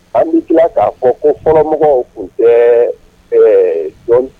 An bɛ tila k'a fɔ ko hɔrɔnmɔgɔw tun tɛ jɔn